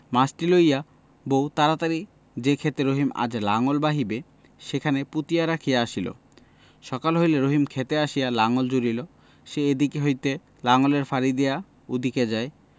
মাছটি লইয়া বউ তাড়াতাড়ি যে ক্ষেতে রহিম আজ লাঙল বাহিবে সেখানে পুঁতিয়া রাখিয়া আসিল সকাল হইলে রহিম ক্ষেতে আসিয়া লাঙল জুড়িল সে এদিক হইতে লাঙলের ফাড়ি দিয়া ওদিকে যায়